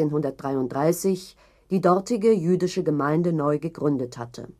1733) die dortige jüdische Gemeinde neu gegründet hatte